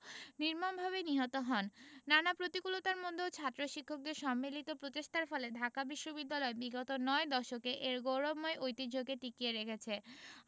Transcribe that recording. নির্মমভাবে নিহত হন নানা প্রতিকূলতার মধ্যেও ছাত্র শিক্ষকদের সম্মিলিত প্রচেষ্টার ফলে ঢাকা বিশ্ববিদ্যালয় বিগত নয় দশকে এর গৌরবময় ঐতিহ্যকে টিকিয়ে রেখেছে